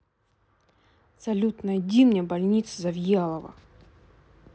салют найди мне больница завьялова